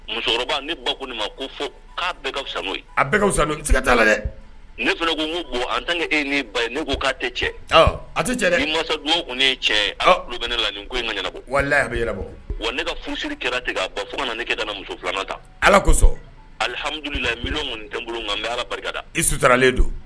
Musokɔrɔba ne bako ma ko fo'a bɛɛ ka sa a bɛɛ sanu se ka taa la dɛ ne fana ko ko bon an tan kɛ e ni ba ye ne ko k'a tɛ cɛ a tɛ cɛ ni masa dugawu tun ne ye cɛ aa olu bɛ ne la ni ko in ka ɲɛnabɔ wala a bɛbɔ wa ne ka furu kɛra tigɛ ka ba fo ka kana ne ka muso filanan ta ala kosɔ alihamidulila minnu mun nt bolo nka n bɛ ala barikada i sisanlen don